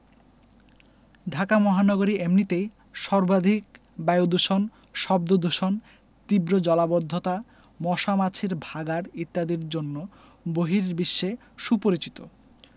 ঢাকা মহানগরী এমনিতেই সর্বাধিক বায়ুদূষণ শব্দদূষণ তীব্র জলাবদ্ধতা মশা মাছির ভাঁগাড় ইত্যাদির জন্য বহির্বিশ্বে সুপরিচিত